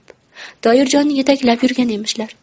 toyirjonni yetaklab yurgan emishlar